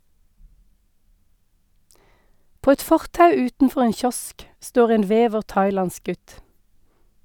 På et fortau utenfor en kiosk står en vever thailandsk gutt.